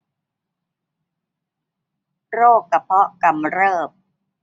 โรคกระเพาะกำเริบ